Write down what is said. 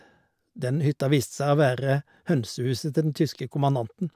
Den hytta viste seg å være hønsehuset til den tyske kommandanten.